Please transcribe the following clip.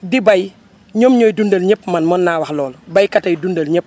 di béy ñoom ñooy dundal ñëpp man mën naa wax loolu béykat ay dundal ñëpp